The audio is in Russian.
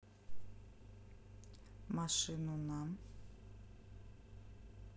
машину на